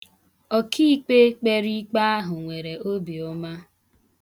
Ọkiikpe kpere ikpe ahụ nwere obi ọma.